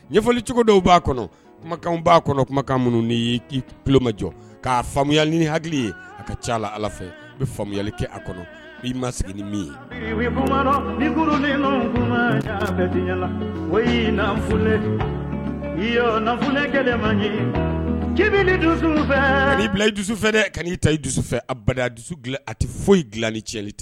Ɲɛfɔli cogo dɔw b'a kɔnɔ kumakan b'a kɔnɔ kumakan minnu ni y'i kii plomajɔ k'a faamuyaya ni hakili ye a ka ca la ala fɛ fayali kɛ a kɔnɔ i ma sigi ni min ye ofunɛ ifunɛ ye dusu fɛ nii bila i dusu fɛ dɛ ka i ta i dusufɛ a ba dusu dilan a tɛ foyi dilan ni cɛli tɛ